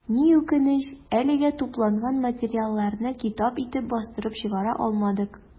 Ни үкенеч, әлегә тупланган материалларны китап итеп бастырып чыгара алмадык.